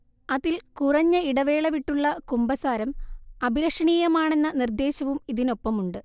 അതിൽ കുറഞ്ഞ ഇടവേളവിട്ടുള്ള കുമ്പസാരം അഭിലഷണീയമാണെന്ന നിർദ്ദേശവും ഇതിനൊപ്പമുണ്ട്